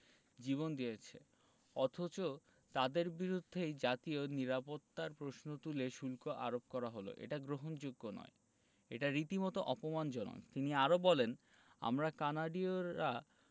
জীবন দিয়েছে অথচ তাঁদের বিরুদ্ধেই জাতীয় নিরাপত্তার প্রশ্ন তুলে শুল্ক আরোপ করা হলো এটা গ্রহণযোগ্য নয় এটা রীতিমতো অপমানজনক তিনি আরও বলেন আমরা কানাডীয়রা